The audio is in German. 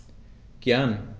Gern.